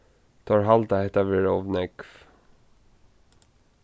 teir halda hetta vera ov nógv